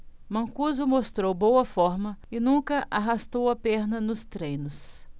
mancuso mostrou boa forma e nunca arrastou a perna nos treinos